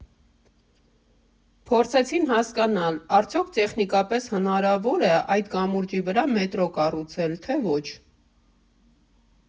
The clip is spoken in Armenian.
Փորձեցին հասկանալ՝ արդյոք տեխնիկապես հնարավո՞ր է այդ կամուրջի վրա մետրո կառուցել, թե ոչ։